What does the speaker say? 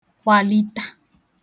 kwàlita